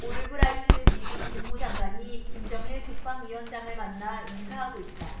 올브라이트 미국 국무장관이 김정일 국방위원장을 만나 인사하고 있다